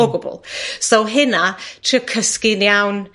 O gwbwl. So hynna, trio cysgu'n iawn.